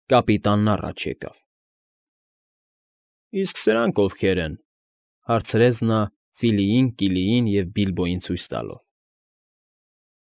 Կապիտանն առաջ եկավ։ ֊ Իսկ սրա՞նք ովքեր են,֊ հարցրեց նա՝ Ֆիլիին, Կիլիին և Բիբլոյին ցույց տալով։ ֊